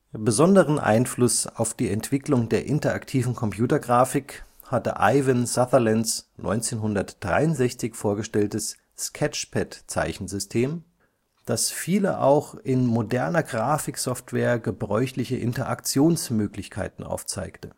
Besonderen Einfluss auf die Entwicklung der interaktiven Computergrafik hatte Ivan Sutherlands 1963 vorgestelltes Sketchpad-Zeichensystem, das viele auch in moderner Grafiksoftware gebräuchliche Interaktionsmöglichkeiten aufzeigte